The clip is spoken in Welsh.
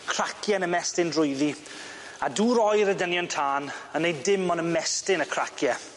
Cracie yn ymestyn drwyddi a dŵr oer y dynion tân yn neud dim on' ymestyn y cracie.